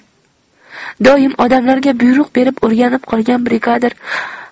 doim odamlarga buyruq berib o'rganib qolgan brigadir